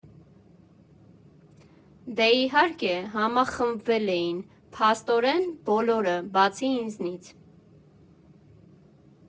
Դե իհարկե, համախմբվել էին, փաստորեն, բոլորը, բացի ինձնից։